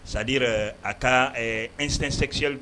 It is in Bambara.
c'est à dire a ka instinct sexuel